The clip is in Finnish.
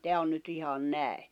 tämä on nyt ihan näin